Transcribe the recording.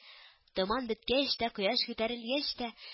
Томан беткәч тә, кояш күтәрелгәч тә